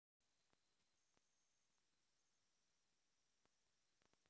кулинарные поединки